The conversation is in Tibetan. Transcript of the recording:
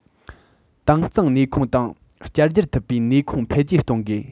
དྭངས གཙང ནུས ཁུངས དང བསྐྱར སྒྱུར ཐུབ པའི ནུས ཁུངས འཕེལ རྒྱས གཏོང དགོས